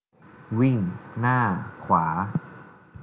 วิ่งหน้าขวา